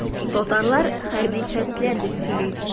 Татарлар хәрби чәстләр дип сөйли.